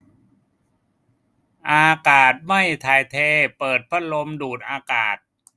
อากาศไม่ถ่ายเทเปิดพัดลมดูดอากาศ